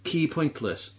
Ci Pointless.